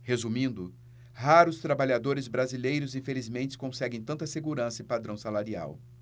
resumindo raros trabalhadores brasileiros infelizmente conseguem tanta segurança e padrão salarial